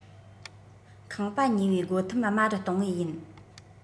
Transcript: ཁང པ ཉོས པའི སྒོ ཐེམ དམའ རུ གཏོང ངེས ཡིན